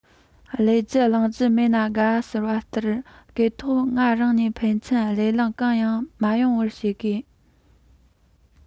ལབ རྒྱུ གླེང རྒྱུ མེད ན དགའ ཟེར བ ལྟར སྒབས ཐོག ང རང གཉིས ཕན ཚུན ལབ གླེང གང ཡང མི ཡོང བར བྱེད དགོས